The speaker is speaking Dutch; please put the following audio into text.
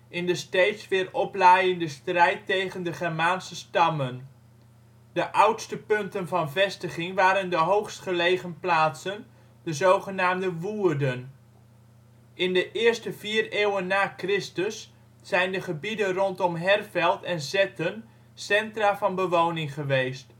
in de steeds weer oplaaiende strijd tegen de Germaanse stammen. De oudste punten van vestiging waren de hoogst gelegen plaatsen, de zgn. woerden. In de eerste vier eeuwen na Christus zijn de gebieden rondom Herveld en Zetten centra van bewoning geweest